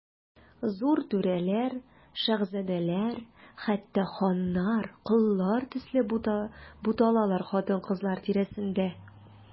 Зур түрәләр, шаһзадәләр, хәтта ханнар, коллар төсле буталалар хатын-кызлар тирәсендә.